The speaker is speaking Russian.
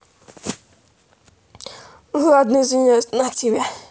ладно извиняюсь на тебе